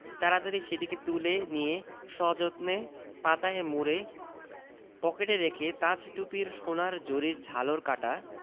তাড়াতাড়ি সেটিকে তুলে নিয়ে সযত্নে পাতায় মুড়ে পকেটে রেখে তাজ টুপির সোনার জরির ঝালর কাটা